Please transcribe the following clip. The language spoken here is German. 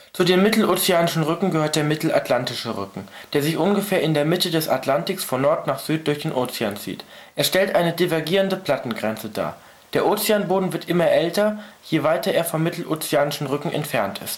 Zu den Mittelozeanischen Rücken gehört der Mittelatlantische Rücken, der sich ungefähr in der Mitte des Atlantiks von Nord nach Süd durch den Ozean zieht. Er stellt eine divergierende Plattengrenze dar. Der Ozeanboden wird immer älter, je weiter er vom Mittelozeanischen Rücken entfernt